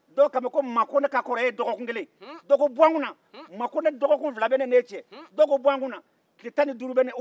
dɔw ko maa ko ne ka kɔrɔ n'e ye dɔgɔkun kelen dɔw ko bɛ n kunna tile tan ni duuru bɛ ne ni e cɛ